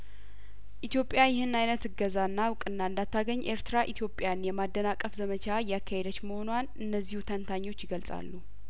ኢትዮጵያይህን አይነት እገዛና እውቅና እንዳ ታገኝ ኤርትራ ኢትዮጵያን የማደናቀፍ ዘመቻ እያካሄደች መሆንዋን እነዚሁ ተንታኞች ይገልጻሉ